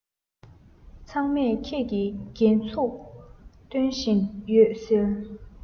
ཚང མས ཁྱེད ཀྱིས རྒན ཚུགས སྟོན བཞིན ཡོད ཟེར